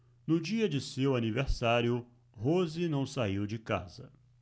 no dia de seu aniversário rose não saiu de casa